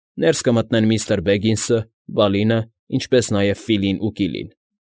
Ներս կմտնեն միստր Բեգինսը, Բալինը, ինչպես նաև Ֆիլին ու Կիլին։